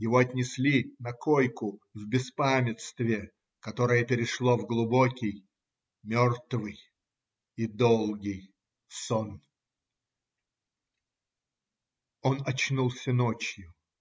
Его отнесли на койку в беспамятстве, которое перешло в глубокий, мертвый и долгий сон. Он очнулся ночью.